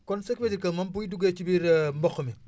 kon ce qui veut dire que moom bu duggee ci biir mboq mi